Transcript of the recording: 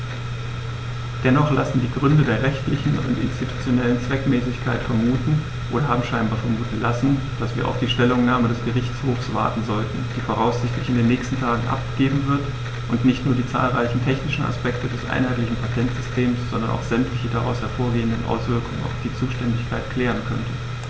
Dennoch lassen die Gründe der rechtlichen und institutionellen Zweckmäßigkeit vermuten, oder haben scheinbar vermuten lassen, dass wir auf die Stellungnahme des Gerichtshofs warten sollten, die voraussichtlich in den nächsten Tagen abgegeben wird und nicht nur die zahlreichen technischen Aspekte des einheitlichen Patentsystems, sondern auch sämtliche daraus hervorgehenden Auswirkungen auf die Zuständigkeit klären könnte.